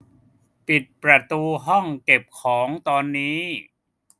ปิดประตูห้องเก็บของตอนนี้